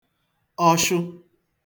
ọshụ